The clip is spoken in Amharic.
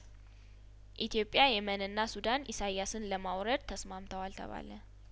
ኢትዮጵያ የመንና ሱዳን ኢሳያስን ለማውረድ ተስማምተዋል ተባለ